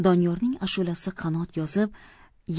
doniyorning ashulasi qanot yozib